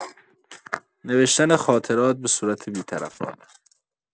نوشتن خاطرات به‌صورت بی‌طرفانه